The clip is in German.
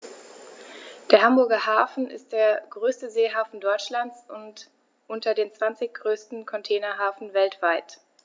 Der Hamburger Hafen ist der größte Seehafen Deutschlands und unter den zwanzig größten Containerhäfen weltweit.